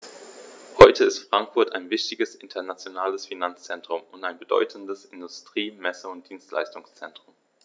Heute ist Frankfurt ein wichtiges, internationales Finanzzentrum und ein bedeutendes Industrie-, Messe- und Dienstleistungszentrum.